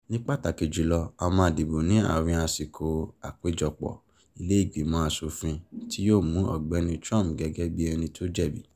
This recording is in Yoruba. Ní pàtàkì jùlọ, a máa dìbò ní àárín àsìkò àpéjọpọ̀ Ìlé ìgbìmọ̀ aṣòfin tí yóò mú Ọ̀gbẹ́ni Trump gẹ́gẹ́ bí ẹni tó jẹ̀bi?